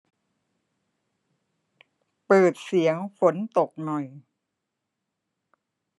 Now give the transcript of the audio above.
เปิดเสียงฝนตกหน่อย